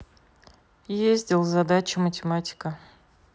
ездил задача математика